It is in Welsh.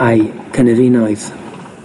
a'u cynefinoedd.